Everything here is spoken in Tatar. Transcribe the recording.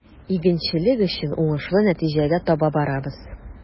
Игенчелек өчен уңышлы нәтиҗәгә таба барабыз.